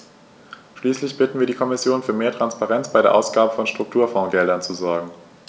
Schließlich bitten wir die Kommission, für mehr Transparenz bei der Ausgabe von Strukturfondsgeldern zu sorgen.